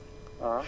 waa